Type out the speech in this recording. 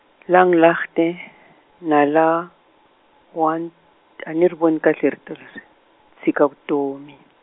Langlaagte, nala, wa nt-, a ni ri voni kahle rito leri, tshika vutomi.